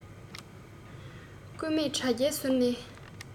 སྐུད མེད དྲ རྒྱའི ཟུར ནས